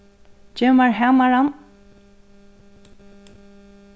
gev mær hamaran